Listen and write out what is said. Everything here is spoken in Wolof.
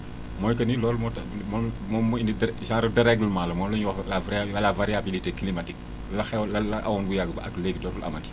mooy que ni loolu moo tax moom moom moo indi déré genre déreglement la moom la ñuy wax la varia la variabilité climatique la xew la xewoon bu yàgg ba ak léegi dootul amati